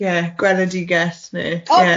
Ie gweledigeth neu ie.